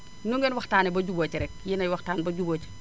nu ngeen waxtaanee ba jubóo ci rek yéenay waxtaan ba jubóo ci